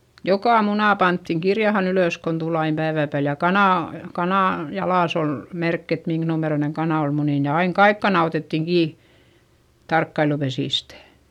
joka muna pantiin kirjaan ylös kun tuli aina päivän päälle ja kanan kanan jalassa oli merkki että minkä numeroinen kana oli muninut ja aina kaikki kanat otettiin kiinni tarkkailupesistä